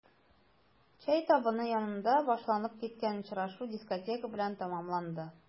Чәй табыны янында башланып киткән очрашу дискотека белән тәмамланды.